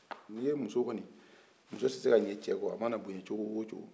ni ye muso kɔni muso tɛ se ka ɲɛ cɛ kɔ